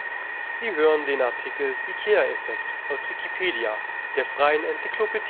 Sie hören den Artikel IKEA-Effekt, aus Wikipedia, der freien Enzyklopädie